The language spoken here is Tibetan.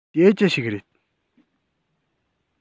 དེ ཅི ཞིག རེད